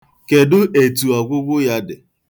Kedụ etu ọgwụgwụ ya dị?